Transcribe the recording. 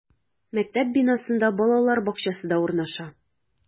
Мәктәп бинасында балалар бакчасы да урнаша.